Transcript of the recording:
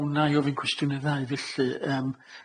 Ia wnna i ofyn cwestiwn i'r ddau felly yym.